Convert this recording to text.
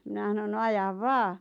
minä sanoin no aja vain